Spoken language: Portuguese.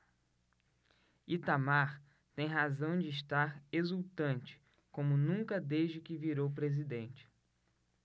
itamar tem razão de estar exultante como nunca desde que virou presidente